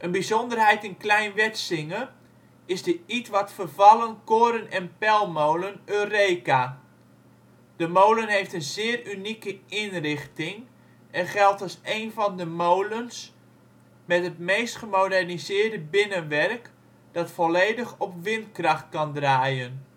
bijzonderheid in Klein Wetsinge is de ietwat vervallen koren - en pelmolen Eureka. De molen heeft een zeer unieke inrichting en geldt als een van de molens met het meest gemoderniseerde binnenwerk dat volledig op windkracht kan draaien